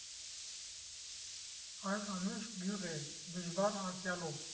Այն անուշ գյուղ է, դժվար անցյալով։